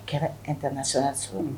A kɛra nt